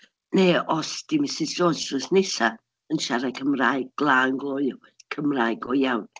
Neu os 'di Mrs Jones yr wythnos nesaf yn siarad Cymraeg glân gloyw, Cymraeg go iawn.